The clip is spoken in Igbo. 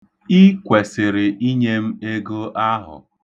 Ị kwesịrị inye m ego ahụ.